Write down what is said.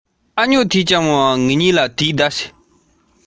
སྐབས འགར གྲོད པ ལྟོགས པའི སྐབས སུ